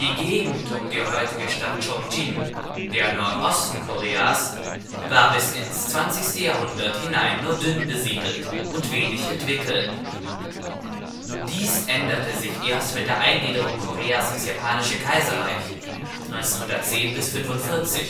Gegend um die heutige Stadt Ch’ ŏngjin, der Nordosten Koreas, war bis ins 20. Jahrhundert hinein nur dünn besiedelt und wenig entwickelt. Dies änderte sich erst mit der Eingliederung Koreas ins Japanische Kaiserreich (1910 bis 1945